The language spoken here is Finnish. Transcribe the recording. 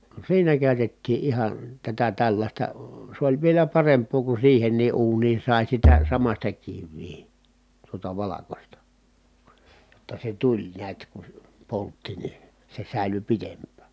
siinä käytettiin ihan tätä tällaista se oli vielä parempaa kun siihenkin uuniin sai sitä samaista kiveä tuota valkoista jotta se tuli näet kun se poltti niin se säilyi pitempään